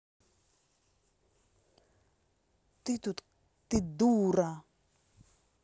ты тут ты дура